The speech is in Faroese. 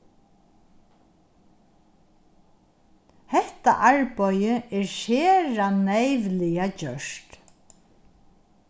hetta arbeiðið er sera neyvliga gjørt